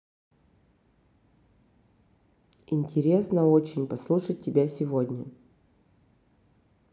интересно очень послушать тебя сегодня